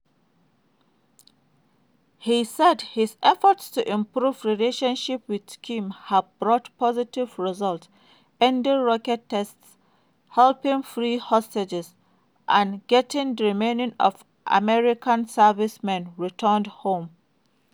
He said his efforts to improve relations with Kim have brought positive results - ending rocket tests, helping free hostages and getting the remains of American servicemen returned home.